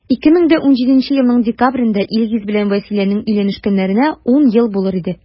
2017 елның декабрендә илгиз белән вәсиләнең өйләнешкәннәренә 10 ел булыр иде.